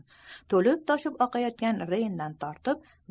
to'lib toshib oqayotgan reyndan tortib